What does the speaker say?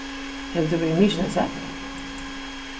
hevur tú verið í mykinesi